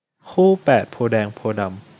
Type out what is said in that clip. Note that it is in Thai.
คู่แปดโพธิ์แดงโพธิ์ดำ